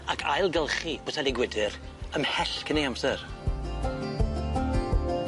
ag ailgylch boteli gwydyr ymhell cyn ei amser.